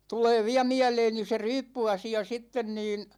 tulee vielä mieleeni se ryyppyasia sitten niin